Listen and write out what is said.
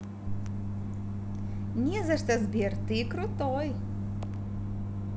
не за что сбер ты крутой